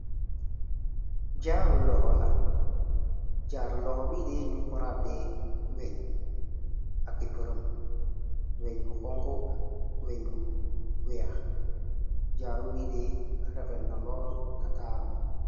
Jaaru loxo la jaaru loxo biide ñu ko rabbe weñ akpërëm weñgu xonk ak weñgu weex jaaru bi de refen na lool kataaru na.